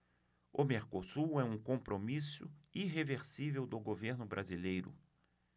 o mercosul é um compromisso irreversível do governo brasileiro